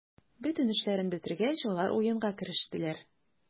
Бөтен эшләрен бетергәч, алар уенга керештеләр.